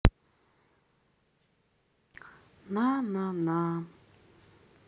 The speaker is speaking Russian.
на на на